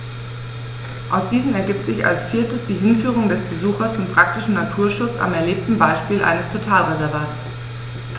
Aus diesen ergibt sich als viertes die Hinführung des Besuchers zum praktischen Naturschutz am erlebten Beispiel eines Totalreservats.